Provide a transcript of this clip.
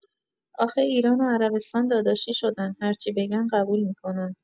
آخه ایران عربستان داداشی شدن هرچی بگن قبول می‌کنن.